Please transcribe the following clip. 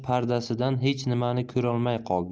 pardasidan hech nimani ko'rolmay qoldi